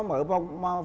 mở phòng